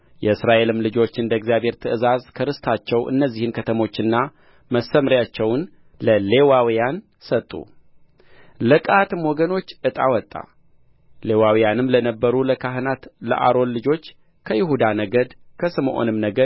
የእስራኤልም ልጆች እንደ እግዚአብሔር ትእዛዝ ከርስታቸው እነዚህን ከተሞችና መሰምርያቸውን ለሌዋውያን ሰጡ ለቀዓትም ወገኖች ዕጣ ወጣ ሌዋውያንም ለነበሩ ለካህኑ ለአሮን ልጆች ከይሁዳ ነገድ ከስምዖንም ነገድ